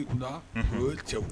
Kuda o ye cɛw